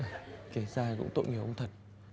kể ra cũng tội nghiệp ông thật